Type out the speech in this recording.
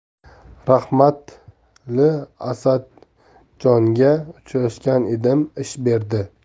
rahmatliasadjonga uchrashgan edim ish berdi